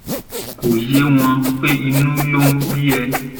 Kò yé wọn pé inú ló ń bí ẹ.